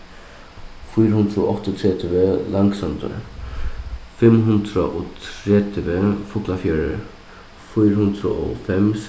fýra hundrað og áttaogtretivu fimm hundrað og tretivu fuglafjørður fýra hundrað og hálvfems